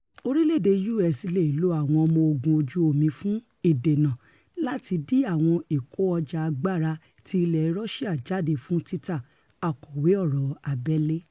orílẹ̀-èdè US leè lo Àwọn Ọmọ Ogun Ojú-omi fún ''ìdèná'' lati di àwọn ìkó-ọjà agbára ti ilẹ̀ Rọ́síà jadé fún títà - Akọ̀wé Ọ̀rọ̀ Abẹ́lé